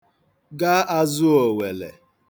ga āzụ̄ òwèlè [Fig.]